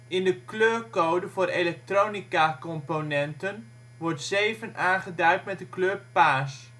In de kleurcode voor elektronicacomponenten wordt 7 aangeduid met de kleur paars